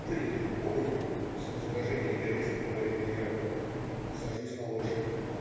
Принять бой!" - с раздражением и резко говорит генерал. Сажусь на лошадь.